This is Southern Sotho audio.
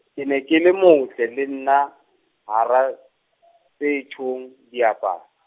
ke ne ke le motle le nna, hara , tse tjhong, diaparo.